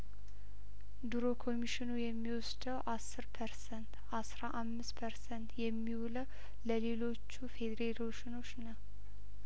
ድሮ ኮሚሽኑ የሚወስደው አስር ፐርሰንት አስራ አምስት ፐርሰንት የሚውለው ለሌሎቹ ፌዴሬሽኖች ነው